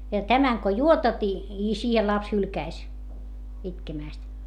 ja tämän kun juotat ja ja siihen lapsi hylkäisi itkemästä